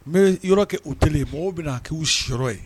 N bɛ yɔrɔ kɛ hôtel mɔgɔw bɛna k'u si yɔrɔ ye.